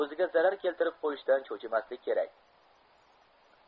o'ziga zarar keltirib qo'yishdan cho'chimaslik kerak